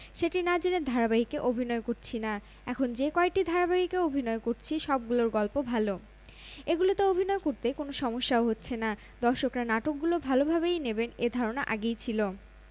অথচ প্রচলিত যন্ত্রগুলো অনেক শীতল কক্ষে রাখার প্রয়োজন হয় চিকিৎসকরা বলছেন সমস্ত শরীরের ইমেজিং করা সম্ভব হলে অবশ্যই এটা চিকিৎসাক্ষেত্রে একটি যুগান্তকারী উদ্ভাবন হবে